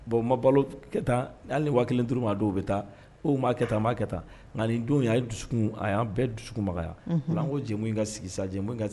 Bon ma balo kɛta, hali ni 5000 di l'o ma , a dɔw bɛ taa , u m'a kɛ tan , ma kɛ tan, a nka nin don in a ye dusukun, a y'an bɛɛ dusukun, makaya, unhun, an ko jɛmu in ka sigi sa jmuɛ in ka